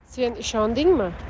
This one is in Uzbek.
sen ishondingmi